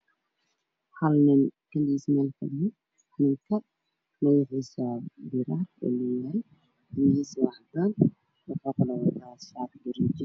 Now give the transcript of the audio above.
Nin kaligis mel fadhiya bidar oow leyahay timihis waa cadan waxow wata shati gariijo ah